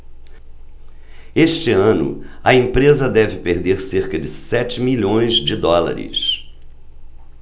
este ano a empresa deve perder cerca de sete milhões de dólares